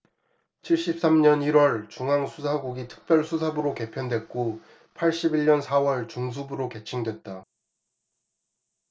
칠십 삼 년 일 월 중앙수사국이 특별수사부로 개편됐고 팔십 일 년 사 월 중수부로 개칭됐다